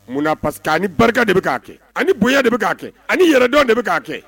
Munna parce que ani barika de bɛ k'a kɛ ani bonya de bɛ k'a kɛ ani yɛrɛdɔn de bɛ k'a kɛ